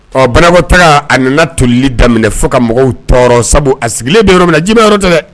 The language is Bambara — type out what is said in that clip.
Ɔ banakɔ taga a nana toli daminɛ fo ka mɔgɔw tɔɔrɔ sabu a sigilen bɛ yɔrɔ min na ji yɔrɔ dɛ